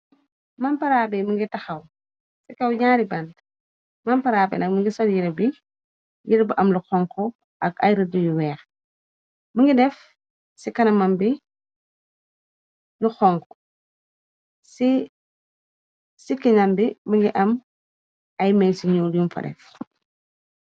Mamparaabi mi ngi taxaw ci kaw ñaari bante mamparaabi na mingi sol yere bi yere bu am lu xonko ak ay rëddu yu weex mi ngi def ci kana mam bi lu xonko ci cikinam bi mi ngi am ay mess ci ñuul yum fa def.